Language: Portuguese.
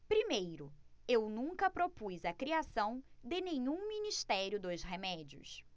primeiro eu nunca propus a criação de nenhum ministério dos remédios